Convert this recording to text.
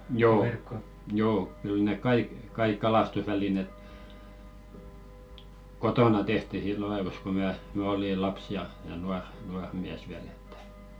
joo joo kyllä ne kaikki kaikki kalastusvälineet kotona tehtiin silloin ajoissa kun minä minä olin lapsi ja ja nuori nuori mies vielä että